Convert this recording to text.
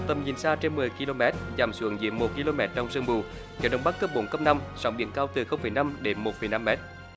tầm nhìn xa trên mười ki lô mét giảm xuống dưới một ki lô mét trong sương mù phía đông bắc cấp bốn cấp năm sóng biển cao từ không phẩy năm đến một phẩy năm mét